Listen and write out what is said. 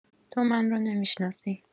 تو من رو نمی‌شناسی